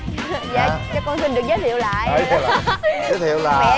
dạ cho con xin được giới thiệu lại mẹ vợ